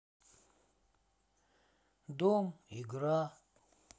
дом игра